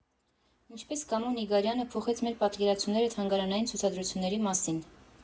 Ինչպես Կամո Նիգարյանը փոխեց մեր պատկերացումները թանգարանային ցուցադրությունների մասին։